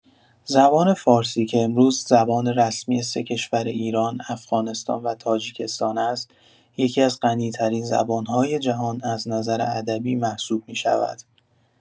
زبان فارسی که امروز زبان رسمی سه کشور ایران، افغانستان و تاجیکستان است، یکی‌از غنی‌ترین زبان‌های جهان از نظر ادبی محسوب می‌شود.